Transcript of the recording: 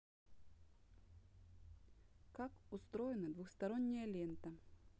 как устроена двухсторонняя лента